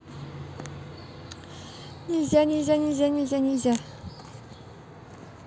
нельзя нельзя нельзя нельзя нельзя